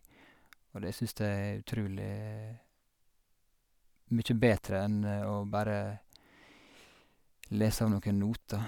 Og det syns jeg er utrulig mye bedre enn å bare lese av noen noter.